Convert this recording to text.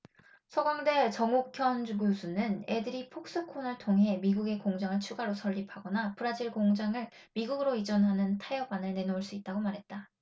서강대 정옥현 교수는 애플이 폭스콘을 통해 미국에 공장을 추가로 설립하거나 브라질 공장을 미국으로 이전하는 타협안을 내놓을 수 있다고 말했다